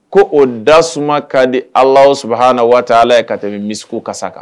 Ko o da tasuma ka di ala saba ha na waati ala ye ka tɛmɛ misi kasa kan